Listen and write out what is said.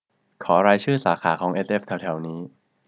ขอรายชื่อสาขาของเอสเอฟแถวแถวนี้